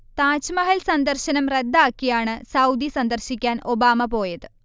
താജ്മഹൽ സന്ദർശനം റദ്ദാക്കിയാണ് സൗദി സന്ദർശിക്കാൻ ഒബാമ പോയത്